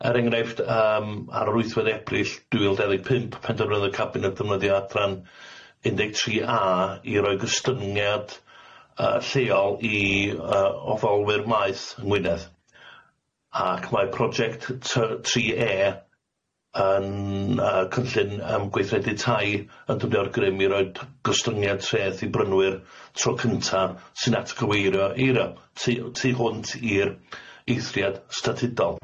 Er engreifft yym ar yr wythfedd Ebrill dwy fil dau ddeg pump pen defnyddio cabinet defnyddio adran un deg tri a i roi gystyngiad yy lleol i yy oddolwyr maeth yng Ngwynedd, ac mae project ty- tri e yn yy cynllun yym gweithredu tai yn dyfniwr grym i roid gystyngiad traeth i brynwyr tro cynta sy'n atgyweirio eiro tu tu hwnt i'r eithriad statudol.